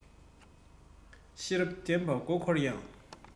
ཤེས རབ ལྡན པ མགོ བསྐོར ཡང